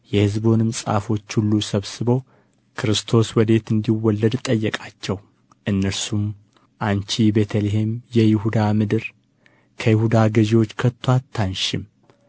የሕዝቡንም ጻፎች ሁሉ ሰብስቦ ክርስቶስ ወዴት እንዲወለድ ጠየቃቸው እነርሱም አንቺ ቤተ ልሔም የይሁዳ ምድር ከይሁዳ ገዢዎች ከቶ አታንሽም